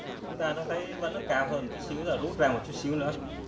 chúng ta thấy nó cao hơn một tí ta rút bec ra tí nữa